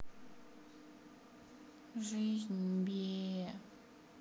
жизнь бе